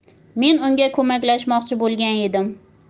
men unga ko'maklashmoqchi bo'lgan edim